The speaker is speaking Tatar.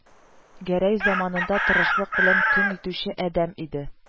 Гәрәй заманында тырышлык белән көн итүче адәм иде